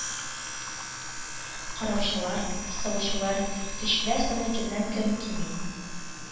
Караучылар, савучылар, көтүчеләр саны көннән-көн кими